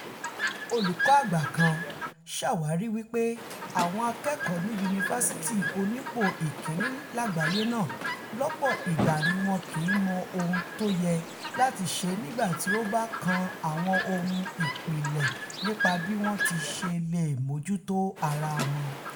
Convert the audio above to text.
Olùkọ́-àgbà kan ṣàwárí wí pé àwọn akẹ́kọ̀ọ́ ní yunifasiti onípò ìkínní láàgbáyé náà lọ́pọ̀ ìgbà níwọn kìí mọ ohun tóyẹ láti ṣe nígbà tí ó bá kan àwọn ohun ìpìlẹ̀ nípa bí wọn tiṣe leè mójútó ara wọn.